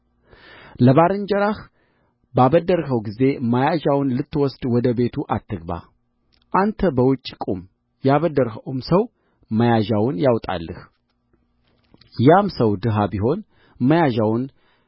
ለባልንጀራህ ባበደርኸው ጊዜ መያዣውን ልትወስድ ወደ ቤቱ አትግባ አንተ በውጭ ቁም ያበደርኸውም ሰው መያዣውን ያውጣልህ ያም ሰው ድሃ ቢሆን መያዣውን